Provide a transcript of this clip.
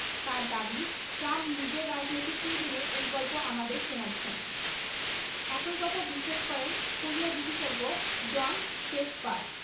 তাঁর দাবি ট্রাম্প নিজের রাজনৈতিক প্রয়োজনে এই গল্প আমাদের শোনাচ্ছেন একই কথা বিশ্বাস করেন কোরিয়া বিশেষজ্ঞ জন ফেফফার